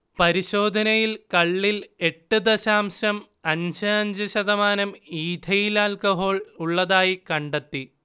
പരിശോധനയിൽ കള്ളിൽ എട്ട് ദശാംശം അഞ്ച് അഞ്ച് ശതമാനം ഈഥൈൽ അൽക്കഹോൾ ഉള്ളതായി കണ്ടെത്തി